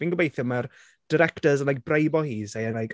Fi'n gobeithio mae'r directors yn like, breibio hi, saying like...